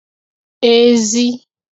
ezi